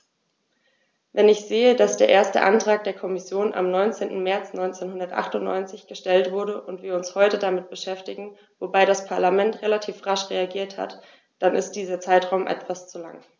Wenn ich sehe, dass der erste Antrag der Kommission am 19. März 1998 gestellt wurde und wir uns heute damit beschäftigen - wobei das Parlament relativ rasch reagiert hat -, dann ist dieser Zeitraum etwas zu lang.